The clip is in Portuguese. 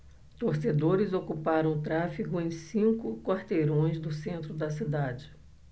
torcedores ocuparam o tráfego em cinco quarteirões do centro da cidade